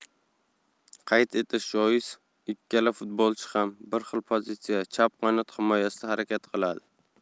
qayd etish joiz ikkala futbolchi ham bir xil pozitsiya chap qanot himoyasida harakat qiladi